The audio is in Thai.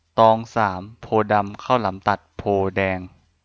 ตองสามโพธิ์ดำข้าวหลามตัดโพธิ์แดง